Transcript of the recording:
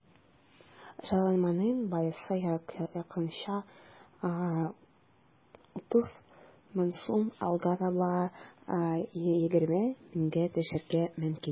Җайланманың бәясе якынча 30 мең сум, алга таба 20 меңгә төшәргә мөмкин.